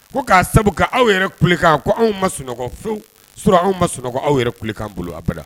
Ko k'a sabu aw yɛrɛlekan anw ma sunɔgɔ fiwu sɔrɔ anw ma sunɔgɔ aw yɛrɛ kukanan bolo a